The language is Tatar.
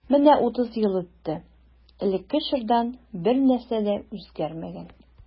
Менә утыз ел үтте, элекке чордан бернәрсә дә үзгәрмәгән.